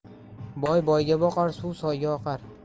boy boyga boqar suv soyga oqar